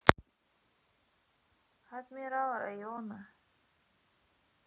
адмирал района